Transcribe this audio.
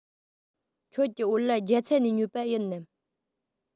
ཁྱེད ཀྱི བོད ལྭ རྒྱ ཚ ནས ཉོས པ ཡིན ནམ